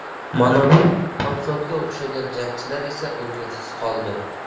mana bu ponsodga o'xshagan jangchilar esa o'ljasiz qoldi